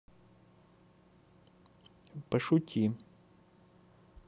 пошути